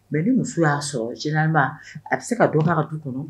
Mɛ ni muso y'a sɔrɔ jba a bɛ se ka dɔn ka du kɔnɔ